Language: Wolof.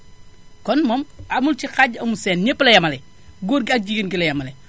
kon moom amu ci xàjj amul seen ñépp la yemale góor ki ak jigéen bi la yemale